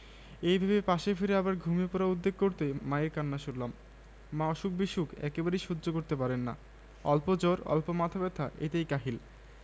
সংগৃহীত হুমায়ুন আহমেদের নন্দিত নরকে গল্প এর অংশবিশেষ